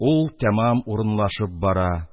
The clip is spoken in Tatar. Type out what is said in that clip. Ул тәмам урынлашып бара.